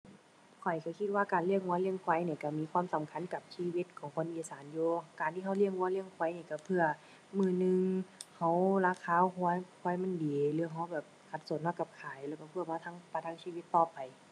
ข้อยก็คิดว่าการเลี้ยงก็เลี้ยงควายเนี่ยก็มีความสำคัญกับชีวิตของคนอีสานอยู่ การที่ก็เลี้ยงก็เลี้ยงควายนี้ ก็เพื่อมื้อหนึ่ง ก็ ราคาก็ควายมันดี หรือก็แบบขัดสน ก็ก็ขายแล้วก็เพื่อมาทัง ประทังชีวิตต่อไป